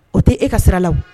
O tɛ e ka sira la o